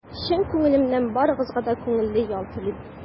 Чын күңелемнән барыгызга да күңелле ял телим!